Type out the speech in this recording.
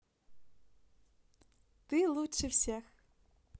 ты лучше всех